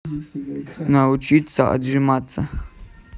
научиться отжиматься